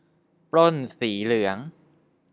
ปล้นสีเหลือง